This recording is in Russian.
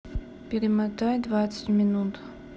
промотай двадцать минут